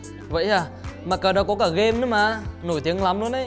vậy ấy à mà cái đó có cả ghêm nữa mà nổi tiếng lắm luôn ấy